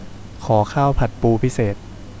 ขอข้าวผัดปูพิเศษ